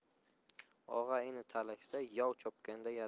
og'a ini talashsa yov chopganda yarashar